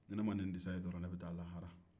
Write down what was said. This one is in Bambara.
ni ne ma nin disa in sɔrɔ ne bɛ taa lahara